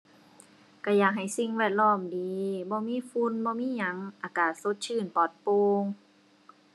ก็อยากให้สิ่งแวดล้อมดี บ่มีฝุ่นบ่มีหยัง อากาศสดชื่นปลอดโปร่ง